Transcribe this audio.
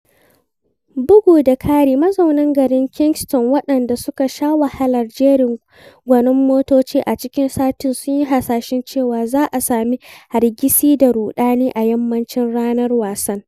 Bugu da ƙari, mazauna garin Kingston, waɗanda suka sha wahalar jerin gwanon motoci a cikin satin, sun yi hasashen cewa za a sami hargitsi da ruɗani a yammacin ranar wasan.